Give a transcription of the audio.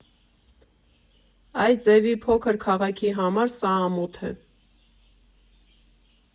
Այս ձևի փոքր քաղաքի համար սա ամոթ է։